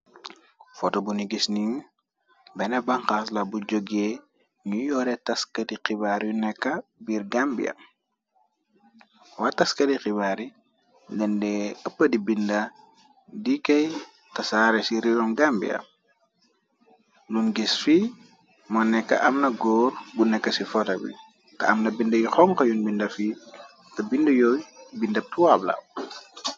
Poto bu ni gis nee bena banxaasla bu jogee ñuy yoore taskati xibaar yu nekka biir Gambia waa taskati xibaar yi lendee ëpp di binda di kay tasaare ci reewi Gambia luñ gis fi moo nekk amna góor bu nekk ci foto bi te amna bind y xonxe yun bi ndafi te bind yooyu bindab tubaba la.